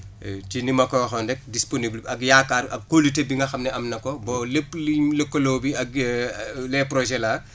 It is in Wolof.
ci ni ma ko waxoon rek disponible ak yaakaar ak kóolute bi nga xam ne am na ko ba lépp luñ lëkkaloo bi ak les projets là